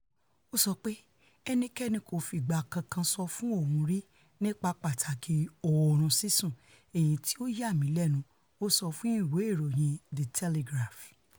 Ó sọ pé ẹnikéni kò fìgbà kankan sọ fún ohun rí nípa pàtàki oorun sísùn - èyití ó yàmí lẹ́nu,' ó sọ fún ìwé ìròyìn The Telegraph.